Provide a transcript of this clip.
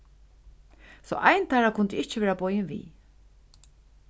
so ein teirra kundi ikki verða boðin við